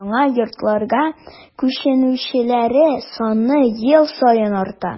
Яңа йортларга күченүчеләр саны ел саен арта.